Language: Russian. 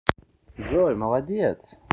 джой молодец